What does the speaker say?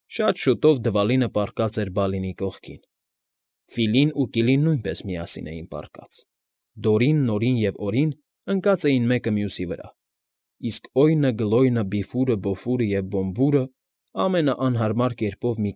Շատ շուտով Դվալինը պառկած էր Բալինի կողքին, Ֆիլին ու Կիլին նույնպես միասին էին պառկած, Դորին, Նորին և Օրին ընկած էին մեկը մյուսի վրա, իսկ Օյնը, Գլոյնը, Բիֆուրը, Բոֆուրը և Բոմբուրը ամենաանհարմար կերպով մի։